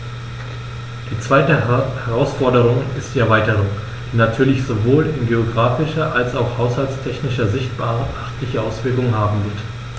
Die zweite Herausforderung ist die Erweiterung, die natürlich sowohl in geographischer als auch haushaltstechnischer Sicht beachtliche Auswirkungen haben wird.